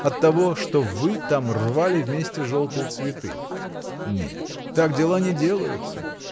оттого, что вы там рвали вместе желтые цветы. Нет, так дела не делаются.